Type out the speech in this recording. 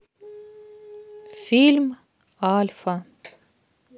фильм альфа